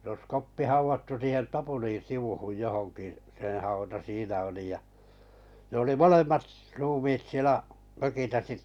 se olisi Koppi haudattu siihen tapulin sivuun johonkin sen hauta siinä oli ja ne oli molemmat - ruumiit siellä mökissä sitten